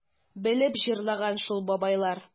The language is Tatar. Белеп җырлаган шул бабайлар...